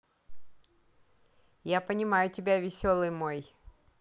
я понимаю тебя веселый мой